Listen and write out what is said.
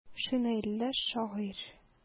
Шинельле шагыйрь.